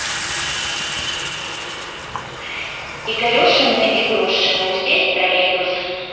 игорюшины игруши музей троллейбус